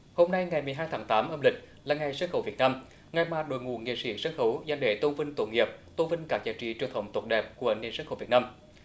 hôm nay ngày mười hai tháng tám âm lịch là ngày sân khấu việt nam ngày mà đội ngũ nghệ sĩ sân khấu văn nghệ tôn vinh tổ nghiệp tôn vinh các giá trị truyền thống tốt đẹp của nền sân khấu việt nam